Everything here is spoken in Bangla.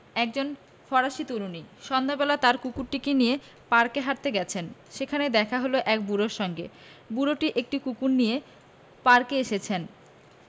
একজন ফরাসি তরুণী ..................... সন্ধ্যাবেলা তার কুকুরটিকে নিয়ে পার্কে হাঁটতে গেছেন সেখানে দেখা হল এক বুড়োর সঙ্গে বুড়োটিও একটি কুকুর নিয়ে পার্কে এসেছে